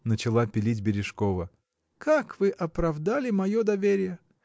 — начала пилить Бережкова, — как вы оправдали мое доверие?